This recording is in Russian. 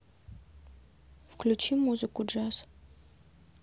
включи музыку джаз